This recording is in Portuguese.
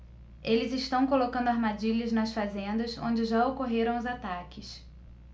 eles estão colocando armadilhas nas fazendas onde já ocorreram os ataques